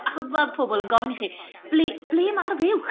Achos ma' pobl yn gofyn i chi, "ble ble mae'r fuwch?"